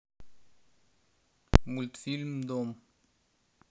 мультфильм дом